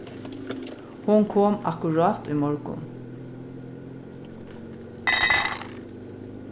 hon kom akkurát í morgun